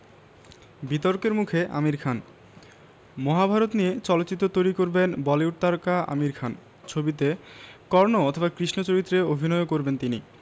বিতর্কের মুখে আমির খান মহাভারত নিয়ে চলচ্চিত্র তৈরি করবেন বলিউড তারকা আমির খান ছবিতে কর্ণ অথবা কৃষ্ণ চরিত্রে অভিনয়ও করবেন তিনি